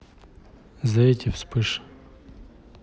за эти вспыш